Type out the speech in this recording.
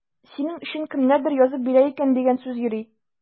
Синең өчен кемнәрдер язып бирә икән дигән сүз йөри.